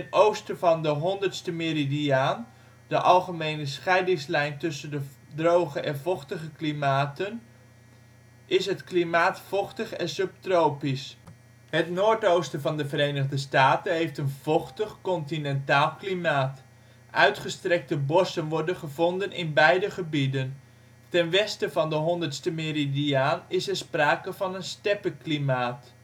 oosten van de honderste meridiaan (de algemene scheidingslijn tussen de droge en vochtige klimaten) is het klimaat vochtig en subtropisch. Het noordoosten van de Verenigde Staten heeft een vochtig, continentaal klimaat. Uitgestrekte bossen worden gevonden in beide gebieden. Ten westen van de honderste meridiaan in er sprake van een steppeklimaat